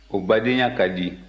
o badenya ka di